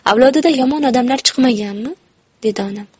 avlodida yomon odamlar chiqmaganmi dedi onam